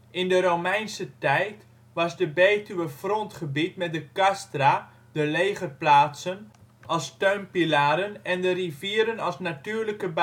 In de Romeinse tijd was de Betuwe frontgebied met de castra, de legerplaatsen, als steunpilaren en de rivieren als natuurlijke